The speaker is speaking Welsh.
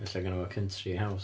Ella gynna fo country house.